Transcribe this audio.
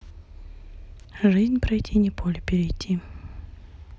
жизнь прожить не поле перейти